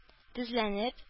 Тезләнеп